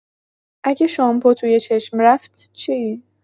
اگه شامپو توی چشم رفت چی؟